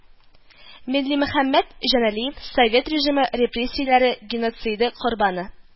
Менлимөхәммәд Җаналиев Совет режимы репрессияләре геноциды корбаны